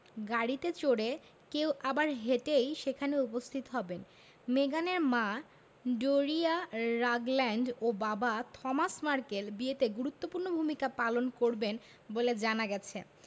গাড়িতে চড়ে কেউ আবার হেঁটেই সেখানে উপস্থিত হবেন মেগানের মা ডোরিয়া রাগল্যান্ড ও বাবা থমাস মার্কেল বিয়েতে গুরুত্বপূর্ণ ভূমিকা পালন করবেন বলে জানা গেছে